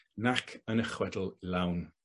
nac yn y chwedl lawn.